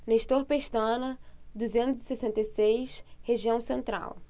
nestor pestana duzentos e sessenta e seis região central